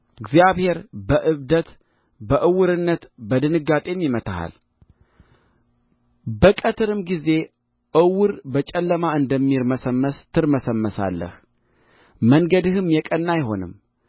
እግዚአብሔር በዕብደት በዕውርነት በድንጋጤም ይመታሃል በቀትርም ጊዜ ዕውር በጨለማ እንደሚርመሰመስ ትርመሰመሳለህ መንገድህም የቀና አይሆንም